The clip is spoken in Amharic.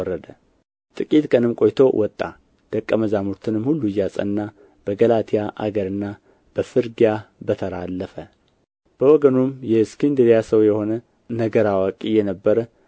ጥቂት ቀንም ቆይቶ ወጣ ደቀ መዛሙርትንም ሁሉ እያጸና በገላትያ አገርና በፍርግያ በተራ አለፈ በወገኑም የእስክንድርያ ሰው የሆነ ነገር አዋቂ የነበረ